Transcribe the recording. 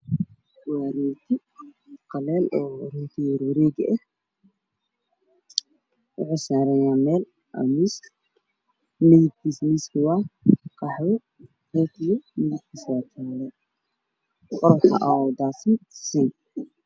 Waa nin sameynayo miis wuxuu qaba shati cadaan ah iyo surwaal madow ah miiska kalirkiisu waa caddaan